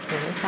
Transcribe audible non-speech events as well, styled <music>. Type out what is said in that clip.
<hesitation> <hesitation>